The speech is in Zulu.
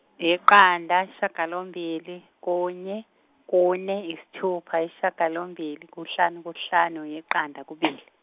yiqanda yisishagalombili kunye kune yisithupha yisishagalombili kuhlanu kuhlanu yiqanda kubili.